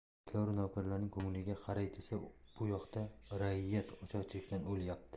beklaru navkarlarning ko'ngliga qaray desa bu yoqda raiyyat ocharchilikdan o'lyapti